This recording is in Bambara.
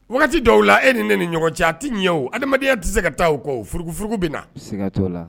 Dɔw la e ni ne ni ɲɔgɔn cɛ tɛ ɲɛ o adamaya tɛ se ka taa u kɔf bɛ